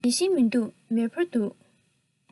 མེ ཤིང མི འདུག མེ ཕུ འདུག